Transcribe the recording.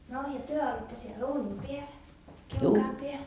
no ja te olitte siellä uunin päällä kiukaan päällä